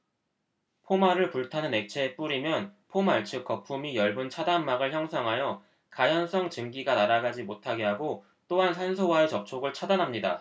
포말을 불타는 액체에 뿌리면 포말 즉 거품이 엷은 차단막을 형성하여 가연성 증기가 날아가지 못하게 하고 또한 산소와의 접촉을 차단합니다